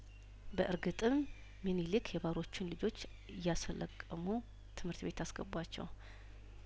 በእርግጥም ሚንሊክ የባሮቹን ልጆች እያስ ለቀሙ ትምህርት ቤት አስገቧቸው